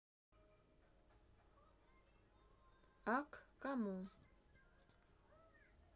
а к кому